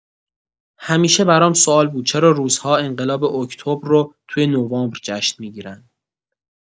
همیشه برام سوال بود چرا روس‌ها انقلاب اکتبر رو توی نوامبر جشن می‌گیرن؟